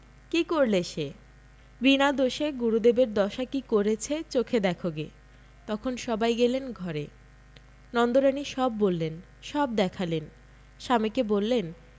কি করলে সে বিনা দোষে গুরুদেবের দশা কি করেছে চোখে দেখোগে তখন সবাই গেলেন ঘরে নন্দরানী সব বললেন সব দেখালেন স্বামীকে বললেন